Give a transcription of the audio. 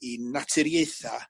i naturiaetha